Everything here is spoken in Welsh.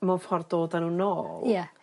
mewn ffordd do â nw nôl... Ie.